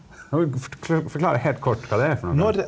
forklare helt kort hva det er for noe?